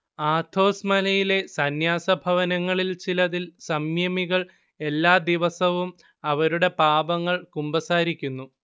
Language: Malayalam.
ആഥോസ് മലയിലെ സന്യാസഭവനങ്ങളിൽ ചിലതിൽ സംയമികൾ എല്ലാ ദിവസവും അവരുടെ പാപങ്ങൾ കുമ്പസാരിക്കുന്നു